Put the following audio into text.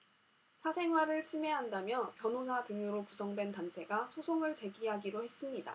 사생활을 침해한다며 변호사 등으로 구성된 단체가 소송을 제기하기로 했습니다